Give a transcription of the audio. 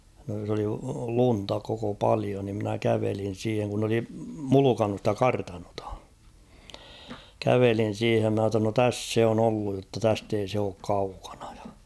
se oli lunta koko paljon niin minä kävelin siihen kun ne oli mulkannut sitä kartanoa kävelin siihen minä jotta no tässä se on ollut jotta tästä ei se ole kaukana ja